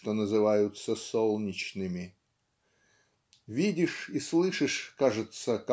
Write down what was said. что называются солнечными" видишь и слышишь кажется